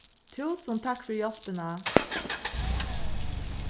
túsund takk fyri hjálpina